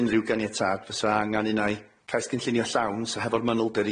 unryw ganiatâd fysa angan unai cais gynllunio llawn so hefo'r manylder